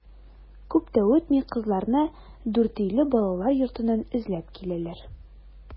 Күп тә үтми кызларны Дүртөйле балалар йортыннан эзләп киләләр.